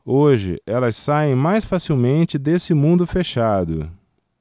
hoje elas saem mais facilmente desse mundo fechado